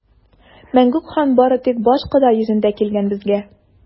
Мәңгүк хан бары тик башкода йөзендә килгән безгә!